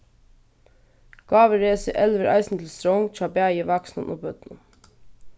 gávuresið elvir eisini til strongd hjá bæði vaksnum og børnum